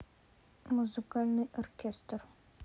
музыкальный оркестр